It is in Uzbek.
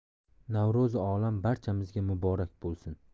navro'zi olam barchamizga muborak bo'lsin